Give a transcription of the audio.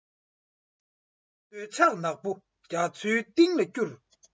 འདོད ཆགས ནག པོ རྒྱ མཚོའི གཏིང ལ བསྐྱུར